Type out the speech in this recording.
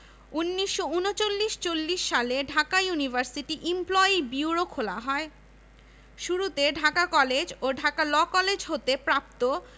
১৯৩৯ ৪০ সালে Dhaka university employee bureau খোলা হয় শুরুতে ঢাকা কলেজ ও ঢাকা ল কলেজ হতে প্রাপ্ত